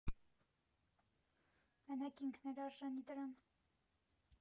Մենակ ինքն էր արժանի դրան։